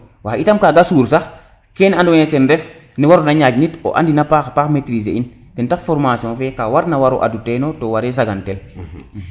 waye itam kaga suur sax kene ando naye ten ref ne warona ñaƴ nit o andin a paxa paax maitriser in ten taxu formation fe ka warna waro adu teno to ware sagan tel